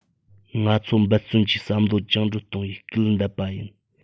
ང ཚོ འབད བརྩོན གྱིས བསམ བློ བཅིངས འགྲོལ གཏོང བའི སྐུལ འདེད པ ཡིན